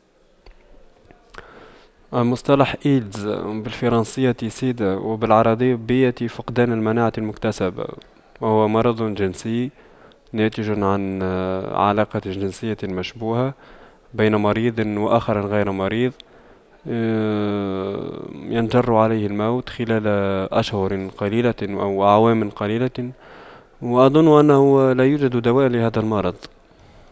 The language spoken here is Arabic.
مصطلح إيدز بالفرنسية سيدا وبالعربية فقدان المناعة المكتسبة وهو مرض جنسي ناتج عن علاقة جنسية مشبوهة بين مريض وآخر غير مريض ينجر عليه الموت خلال أشهر قليلة وأعوام قليلة وأظن أنه لا يوجد دواء لهذا المرض